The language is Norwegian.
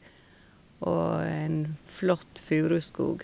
Og en flott furuskog.